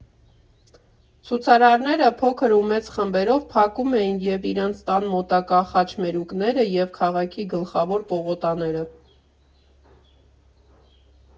Ցուցարարները փոքր ու մեծ խմբերով փակում էին և իրենց տան մոտակա խաչմերուկները, և քաղաքի գլխավոր պողոտաները։